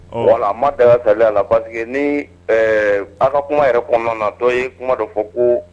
Bon a ma deli sa la parce ni ala ka kuma yɛrɛ kɔnɔna natɔ ye kuma dɔ fɔ ko